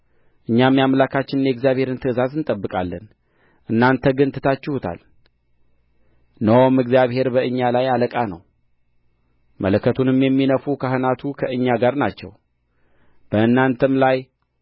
እኛም የአምላካችንን የእግዚአብሔርን ትእዛዝ እንጠብቃለን እናንተ ግን ትታችሁታል እነሆም እግዚአብሔር በእኛ ላይ አለቃ ነው መለከቱንም የሚነፉ ካህናቱ ከእኛ ጋር ናቸው በእናንተም ላይ